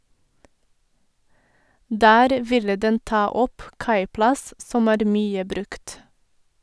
Der ville den ta opp kaiplass som er mye brukt.